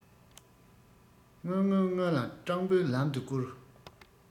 སྔོན སྔོན སྔོན ལ སྤྲང པོའི ལམ ཏུ སྐུར